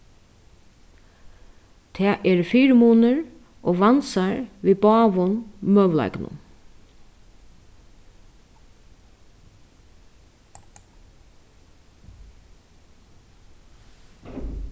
tað eru fyrimunir og vansar við báðum møguleikunum